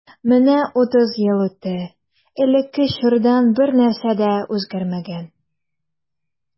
Менә утыз ел үтте, элекке чордан бернәрсә дә үзгәрмәгән.